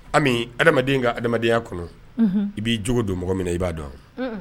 Adamaden ka adamadenya kɔnɔ i b'i jo don mɔgɔ min minɛ i b'a dɔn